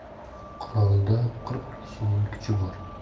qurolda qirq kishining kuchi bor